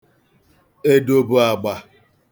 Edo bụ agba.